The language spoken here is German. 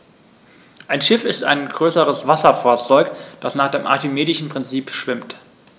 Ein Schiff ist ein größeres Wasserfahrzeug, das nach dem archimedischen Prinzip schwimmt.